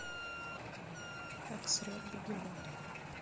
как срет бегемот